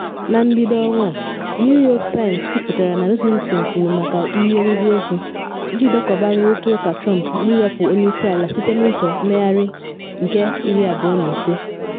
Na mbido ọnwa a, New York Times kwuputara na Rosenstein kwuru maka iyi eriri okwu iji dekọba nrụrịta ụka Trump na iwepu onye isi ala site n’ụzọ mmegharị 25th.